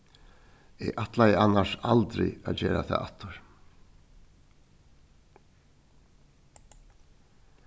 eg ætlaði annars aldri at gera tað aftur